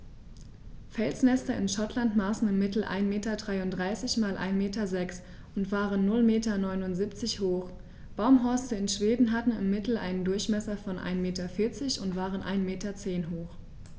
Felsnester in Schottland maßen im Mittel 1,33 m x 1,06 m und waren 0,79 m hoch, Baumhorste in Schweden hatten im Mittel einen Durchmesser von 1,4 m und waren 1,1 m hoch.